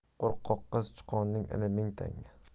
qo'rqoqqa sichqonning ini ming tanga